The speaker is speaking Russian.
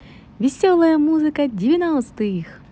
веселая музыка девяностых